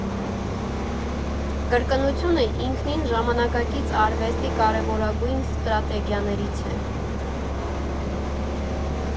Կրկնությունը ինքնին ժամանակակից արվեստի կարևորագույն ստրատեգիաներից է։